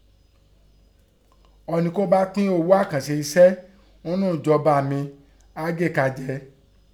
Ọni kọ́ bá pín oghó àkánṣe iṣẹ́ ńnú ẹ̀jọba mi áá gé ẹ̀ka jẹ